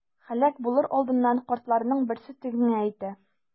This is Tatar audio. Һәлак булыр алдыннан картларның берсе тегеңә әйтә.